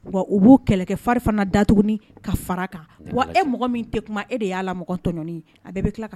Wa u b'o kɛlɛkɛ farifana dat ka fara kan wa e mɔgɔ min tɛ kuma e de y'a la mɔgɔ tɔ a bɛɛ bɛ tila